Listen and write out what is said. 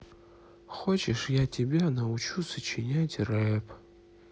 хочешь я тебя научу сочинять рэп